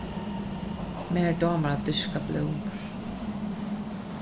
mær dámar at dyrka blómur